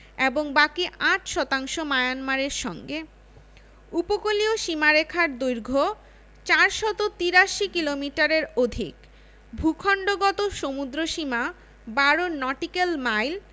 এবং বাকি ৮ শতাংশ মায়ানমারের সঙ্গে উপকূলীয় সীমারেখার দৈর্ঘ্য ৪৮৩ কিলোমিটারের অধিক ভূখন্ডগত সমুদ্রসীমা ১২ নটিক্যাল মাইল